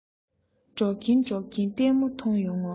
འགྲོ གིན འགྲོ གིན ལྟད མོ མཐོང ཡོང ངོ